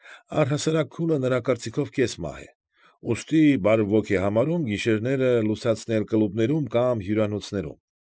Առհասարակ քունը նրա կարծիքով կես մահ է, ուստի բարվոք է համարում գիշերները լուսացնել կլուբներում կամ հյուրանոցներում։